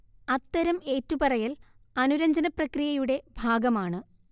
അത്തരം ഏറ്റുപറയൽ അനുരഞ്ജനപ്രക്രിയയുടെ ഭാഗമാണ്